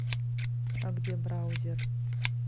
а где браузер